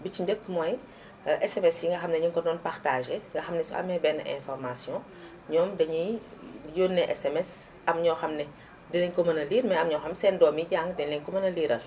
bi ci njëkk mooy Sms yi nga xam ni ñu ngi ko doon partagé nga xam ni su amee benn information ñoom dañuy yónnee Sms am ñoo xam ni dinañu ko mën lire mais am na ñoo xam ni seen doom yi jàng dinañu leen ko mën a liiral